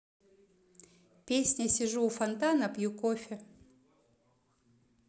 песня сижу у фонтана пью кофе